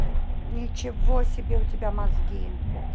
ничего себе у тебя мозги